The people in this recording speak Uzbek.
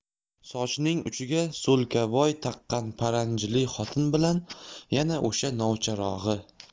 sochining uchiga so'lkavoy taqqan paranjili xotin bilan yana o'sha novcharog'i